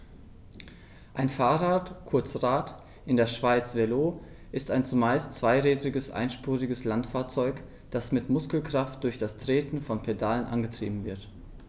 Ein Fahrrad, kurz Rad, in der Schweiz Velo, ist ein zumeist zweirädriges einspuriges Landfahrzeug, das mit Muskelkraft durch das Treten von Pedalen angetrieben wird.